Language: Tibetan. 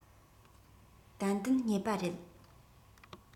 ཏན ཏན རྙེད པ རེད